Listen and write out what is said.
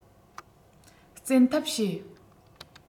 བཙན ཐབས བྱེད